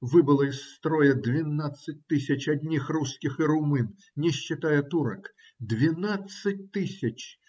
Выбыло из строя двенадцать тысяч одних русских и румын, не считая турок. Двенадцать тысяч.